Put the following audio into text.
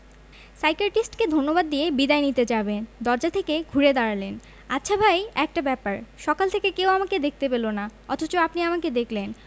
সাইকিয়াট্রিস্টকে ধন্যবাদ দিয়ে বিদায় নিতে যাবেন দরজা থেকে ঘুরে দাঁড়ালেন আচ্ছা ভাই একটা ব্যাপার সকাল থেকে কেউ আমাকে দেখতে পেল না অথচ আপনি আমাকে দেখলেন